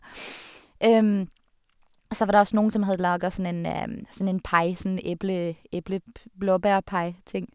Og så var der også noen som hadde laget sånn en sånn en pai, sånn eple eple p blåbærpai-ting.